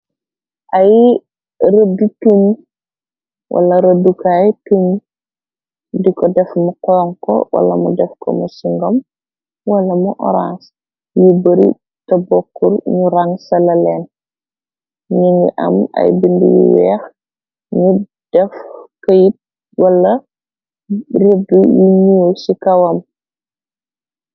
Ay rëddu tuñ, wala rëddukay tunj di ko def lu xonxo, wala mu def ko mu singom, wala mu oraans, yu bari te bokkul ñu rangsale leen, ñi ngi am ay bind yu weex, ñu def këyit wala rëdd yu ñuul ci kawam.